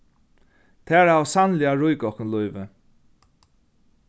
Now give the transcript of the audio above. tær hava sanniliga ríkað okkum lívið